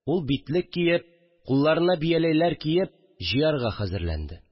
Ул битлек киеп, кулларына бияләйләр киеп, җыярга хәзерләнде